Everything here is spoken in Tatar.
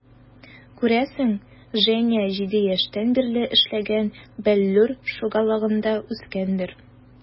Күрәсең, Женя 7 яшьтән бирле эшләгән "Бәллүр" шугалагында үскәндер.